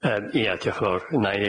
Yym ia, diolch yn fawr.